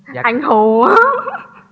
anh hù á